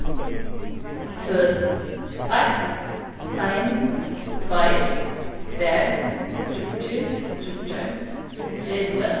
tøl eitt ein tveir tvær tríggir tríggjar tretivu